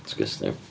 Disgusting.